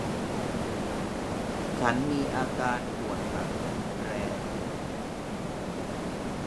ฉันมีอาการปวดหลังรุนแรง